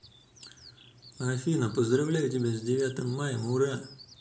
афина поздравляю тебя с девятым маем ура